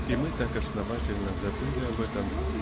И мы так основательно забыли об этом